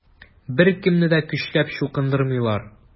Беркемне дә көчләп чукындырмыйлар.